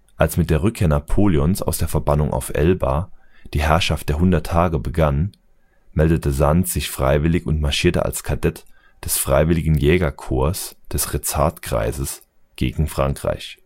Als mit der Rückkehr Napoleons aus der Verbannung auf Elba die Herrschaft der Hundert Tage begann, meldete Sand sich freiwillig und marschierte als Kadett des Freiwilligen Jägerkorps des Rezat-Kreises gegen Frankreich